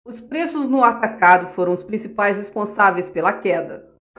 os preços no atacado foram os principais responsáveis pela queda